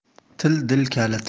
til dil kaliti